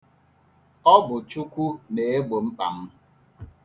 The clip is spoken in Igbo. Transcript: Ọ bụ Chukwu na-egbo mkpa m.